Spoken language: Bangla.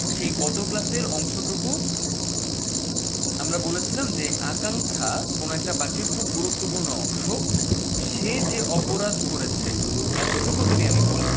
সেই গত ক্লাসের অংশটুকু আমরা বলেছিলাম যে আকাঙ্ক্ষা কোন একটা ব্যাকের খুব গুরুত্বপূর্ণ অংশ সে যে অপরাধ করেছে এতোটুকু যদি আমি বলি